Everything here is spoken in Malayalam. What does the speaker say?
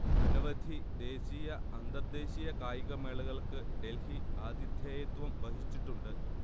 അനവധി ദേശീയ അന്തർദേശീയ കായികമേളകൾക്ക് ഡെൽഹി ആതിഥേയത്വം വഹിച്ചിട്ടുണ്ട്